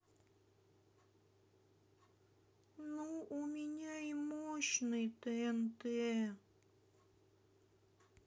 ну у меня и мощный тнт